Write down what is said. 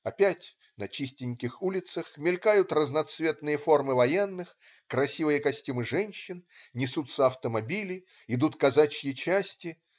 Опять на чистеньких улицах мелькают разноцветные формы военных, красивые костюмы женщин, несутся автомобили, идут казачьи части.